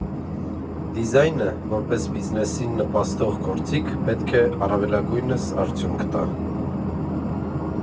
֊ Դիզայնը, որպես բիզնեսին նպաստող գործիք, պետք է առավելագույնս արդյունք տա։